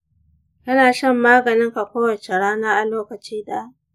kana shan maganin ka kowace rana a lokaci ɗaya?